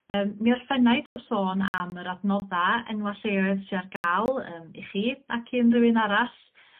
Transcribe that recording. yym mi orffenai trw sôn am yr adnodda' enwa' lleoedd sy ar ga'l yym i chi ac i unrywun arall